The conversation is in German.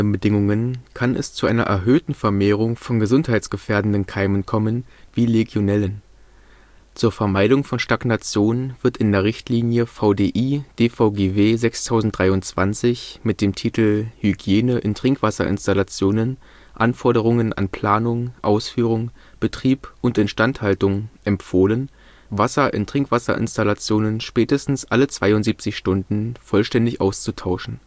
Bedingungen kann es zu einer erhöhten Vermehrung von gesundheitsgefährdenten Keimen kommen, wie Legionellen. Zur Vermeidung von Stagnation wird in der Richtlinie VDI/DVGW 6023 „ Hygiene in Trinkwasser-Installationen; Anforderungen an Planung, Ausführung, Betrieb und Instandhaltung “empfohlen, Wasser in Trinkwasserinstallationen spätestens alle 72 Stunden vollständig auszutauschen